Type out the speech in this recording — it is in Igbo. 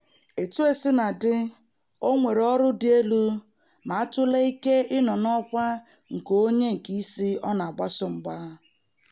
Etuosinadị, o nwere ọrụ dị elu ma a tụlee ike ị nọ n'ọkwa nke onye keisi ọ na-agbaso mgba.